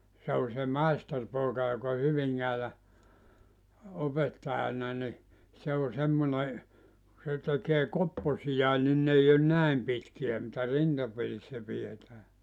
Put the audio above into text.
se on se maisteripoika joka on Hyvinkäällä opettajana niin se on semmoinen se tekee kopposiakin niin ne ei ole näin pitkiä mitä rintaperissä pidetään